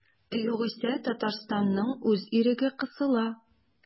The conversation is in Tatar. Югыйсә Татарстанның үз иреге кысыла.